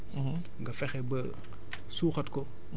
bu dee sa tool dafa am benn garab gu nga xamante ne dafa ndaw